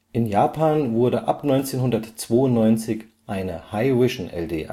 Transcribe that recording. In Japan wurde ab 1992 eine Hi-Vision LD (oder auch HD-LD / MUSE LD) angeboten